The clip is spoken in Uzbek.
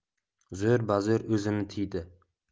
zo'r bazo'r o'zini tiydi